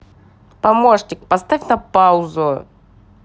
помощник поставь на паузу